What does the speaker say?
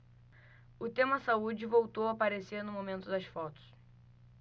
o tema saúde voltou a aparecer no momento das fotos